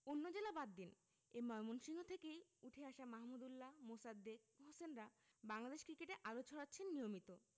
অন্য জেলা বাদ দিন এ ময়মনসিংহ থেকেই উঠে আসা মাহমুদউল্লাহ মোসাদ্দেক হোসেনরা বাংলাদেশ ক্রিকেটে আলো ছড়াচ্ছেন নিয়মিত